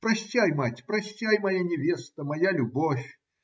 Прощай, мать, прощай, моя невеста, моя любовь!